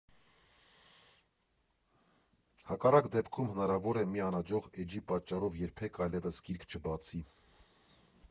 Հակառակ դեպքում հնարավոր է մի անհաջող էջի պատճառով երբեք այլևս գիրք չի բացի։